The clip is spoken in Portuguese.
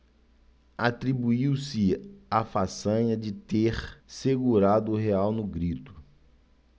atribuiu-se a façanha de ter segurado o real no grito